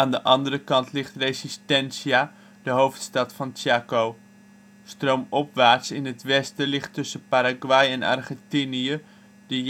de andere kant ligt Resistencia, de hoofdstad van Chaco. Stroomopwaarts in het westen ligt tussen Paraguay en Argentinië de